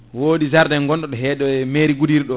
wodi jardin gonɗo ɗo heeɗo mairie Goudiri ɗo